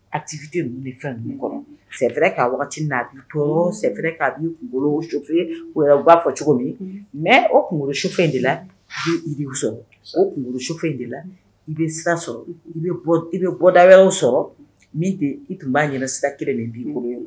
A tifite ninnu fɛn min kɔnɔfɛɛrɛ ka min' dɔrɔnfɛ' kunkolo sufɛye u b'a fɔ cogo min mɛ o kunkoloro sufɛ de la i sɔrɔ o kunkolo sufɛ de la i bɛ sɔrɔ i i bɛ bɔdaw sɔrɔ min i tun b'a ɲɛna sira kelen min bi bolo ye